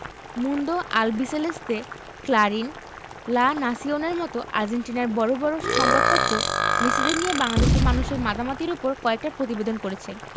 Mundo Albiceleste Clarin La Nacion র মতো আর্জেন্টিনার বড় বড় সংবাদপত্র মেসিদের নিয়ে বাংলাদেশের মানুষের মাতামাতির ওপর কয়েকটা প্রতিবেদন করেছে